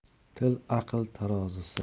til aql tarozusi